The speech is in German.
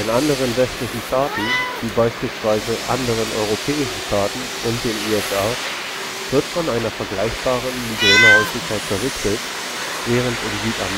anderen westlichen Staaten, wie beispielsweise anderen europäischen Staaten und den USA, wird von einer vergleichbaren Migränehäufigkeit berichtet, während in Südamerika